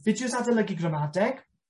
Fideos adolygu gramadeg.